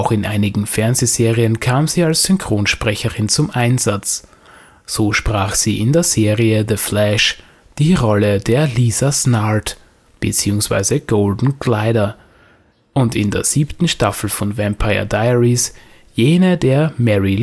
in einigen Fernsehserien kam sie als Synchronsprecherin zum Einsatz. So sprach sie in der Serie The Flash die Rolle der Lisa Snart/Golden Glider und in der siebten Staffel von Vampire Diaries jene der Mary